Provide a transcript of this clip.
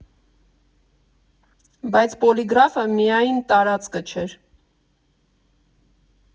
Բայց Պոլիգրաֆը միայն տարածքը չէր։